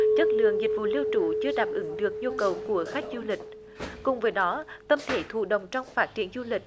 chất lượng dịch vụ lưu trú chưa đáp ứng được nhu cầu của khách du lịch cùng với đó tâm thế thụ động trong phát triển du lịch